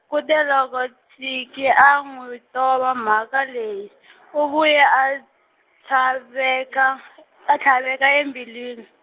kute loko Tsinkie a n'wi tova mhaka leyi, u vuye a tlhaveka a tlhaveka embilwini.